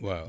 waaw